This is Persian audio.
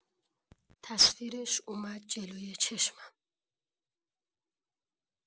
تصویرش اومد جلوی چشمم.